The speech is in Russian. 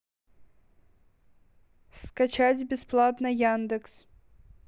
скачать бесплатно яндекс